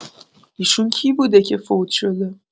ایشون کی بوده که فوت‌شده؟